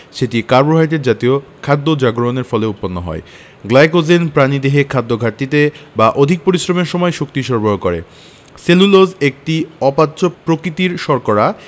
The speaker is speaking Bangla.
সেটি কার্বোহাইড্রেট জাতীয় খাদ্য জারণের ফলে উৎপন্ন হয় গ্লাইকোজেন প্রাণীদেহে খাদ্যঘাটতিতে বা অধিক পরিশ্রমের সময় শক্তি সরবরাহ করে সেলুলোজ একটি অপাচ্য প্রকৃতির শর্করা